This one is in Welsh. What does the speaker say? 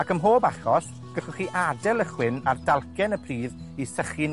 Ac ym mhob achos, gallwch chi adel y chwyn ar dalcen y pridd i sychu'n